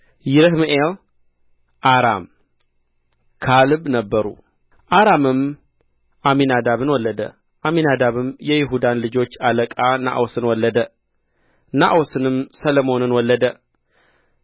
ይረሕምኤል አራም ካልብ ነበሩ አራምም አሚናዳብን ወለደ አሚናዳብም የይሁዳን ልጆች አለቃ ነአሶንን ወለደ አሶንም ሰልሞንን ወለደ